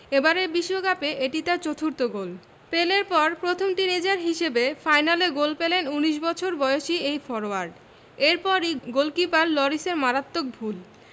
এবারের বিশ্বকাপে এটি তার চতুর্থ গোল পেলের পর প্রথম টিনএজার হিসেবে ফাইনালে গোল পেলেন ১৯ বছর বয়সী এই ফরোয়ার্ড এরপরই গোলকিপার লরিসের মারাত্মক ভুল